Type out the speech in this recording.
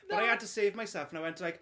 But I had to save myself and I went, like...